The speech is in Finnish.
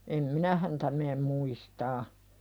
en minä häntä mene muistamaan